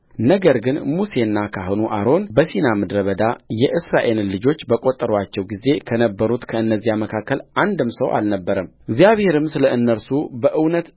ነገር ግን ሙሴና ካህኑ አሮን በሲና ምድረ በዳ የእስራኤልን ልጆች በቈጠሩአቸው ጊዜ ከነበሩት ከእነዚያ መካከል አንድም ሰው አልነበረምእግዚአብሔር ስለ እነርሱ በእውነት